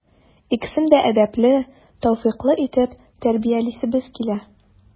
Икесен дә әдәпле, тәүфыйклы итеп тәрбиялисебез килә.